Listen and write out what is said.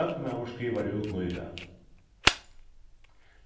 løgmaður skrivar út nýval